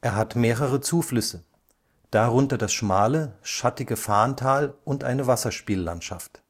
hat mehrere Zuflüsse, darunter das schmale, schattige Farntal und eine Wasserspiellandschaft